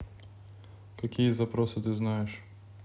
какие запросы ты знаешь